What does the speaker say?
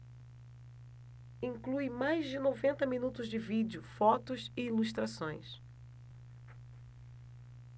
inclui mais de noventa minutos de vídeo fotos e ilustrações